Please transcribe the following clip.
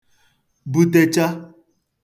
butecha